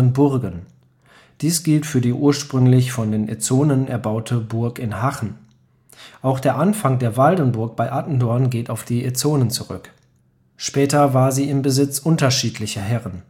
Burgen. Dies gilt für die ursprünglich von den Ezzonen erbaute Burg in Hachen. Auch der Anfang der Waldenburg bei Attendorn geht auf die Ezzonen zurück. Später war sie im Besitz unterschiedlicher Herren